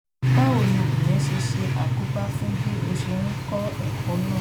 Báwo ni ìyẹn ṣe ń ṣe àkóbá fún bí o ṣe ń kọ́ ẹ̀kọ́ náà?